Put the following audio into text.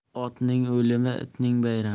otning o'limi itning bayrami